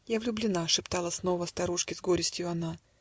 "Я влюблена", - шептала снова Старушке с горестью она.